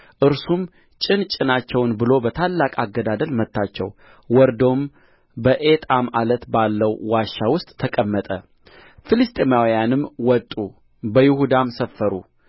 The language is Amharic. እርሱም ጭን ጭናቸውን ብሎ በታላቅ አገዳደል መታቸው ወርዶም በኤጣም ዓለት ባለው ዋሻ ውስጥ ተቀመጠ ፍልስጥኤማውያንም ወጡ በይሁዳም ሰፈሩ